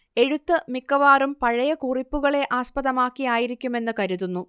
എഴുത്ത് മിക്കവാറും പഴയ കുറിപ്പുകളെ ആസ്പദമാക്കിയായിരിക്കുമെന്ന് കരുതുന്നു